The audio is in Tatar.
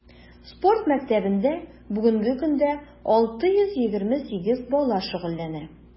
Спорт мәктәбендә бүгенге көндә 628 бала шөгыльләнә.